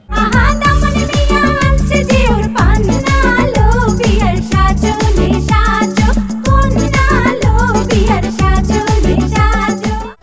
আহা দামান মিয়া আনছে জিওর পান্না লো বিয়ার সাজনি সাজো কন্যা লো বিয়ার সাজনি সাজো